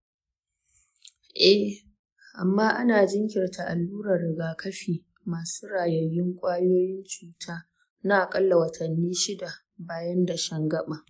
eh, amma ana jinkirta alluran rigakafi masu rayayyun ƙwayoyin cuta na aƙalla watanni shida bayan dashen gaɓa.